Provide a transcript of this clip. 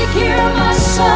sâu